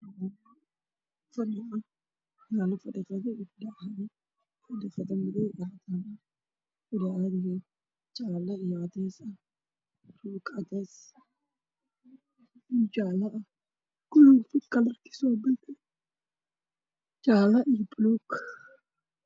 Waa qol waxaa yaa la fadhi jaale ah oo orange iyo miis darbiga waxaa ku dhagan daacad ah